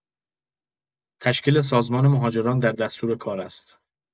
تشکیل سازمان مهاجران در دستورکار است.